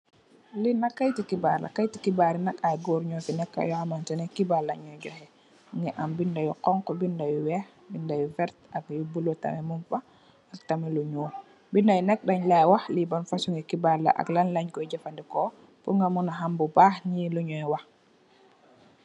Lii nak keiti khibarr la, keiti khibarr bii nak aiiy gorre njur fii neka njur hamanteh neh kibarr leh njui jokheh, mungy am binda yu khonku, binda yu wekh, binda yu vertue ak yu bleu tamit njung fa, ak tamit lu njull, binda yii nak dengh la lii ban fasoni khibarr la ak nga munah ham bubakh njii lu njur wakh.